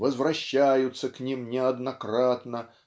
возвращаются к ним неоднократно